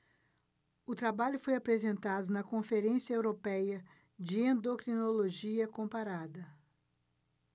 o trabalho foi apresentado na conferência européia de endocrinologia comparada